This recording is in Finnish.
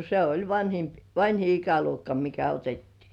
se oli - vanhin ikäluokka mikä otettiin